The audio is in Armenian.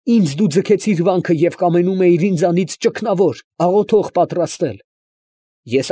Ինձ դու ձգեցիր վանքը և կամենում էիր ինձանից ճգնավոր, աղոթող պատրաստել։